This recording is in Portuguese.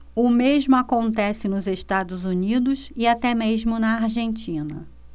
o mesmo acontece nos estados unidos e até mesmo na argentina